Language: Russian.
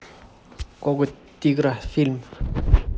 коготь тигра фильм